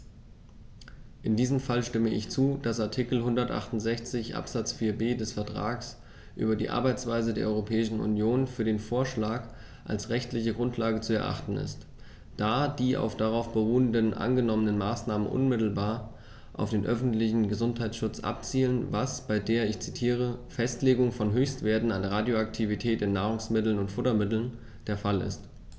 In diesem Fall stimme ich zu, dass Artikel 168 Absatz 4b des Vertrags über die Arbeitsweise der Europäischen Union für den Vorschlag als rechtliche Grundlage zu erachten ist, da die auf darauf beruhenden angenommenen Maßnahmen unmittelbar auf den öffentlichen Gesundheitsschutz abzielen, was bei der - ich zitiere - "Festlegung von Höchstwerten an Radioaktivität in Nahrungsmitteln und Futtermitteln" der Fall ist.